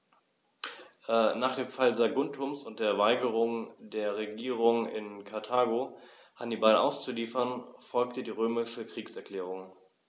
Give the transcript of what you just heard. Nach dem Fall Saguntums und der Weigerung der Regierung in Karthago, Hannibal auszuliefern, folgte die römische Kriegserklärung.